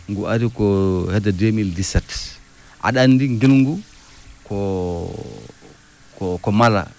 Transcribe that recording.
ngu ari ko hedde 2017 aɗa anndi ngilngu ko ko ko mala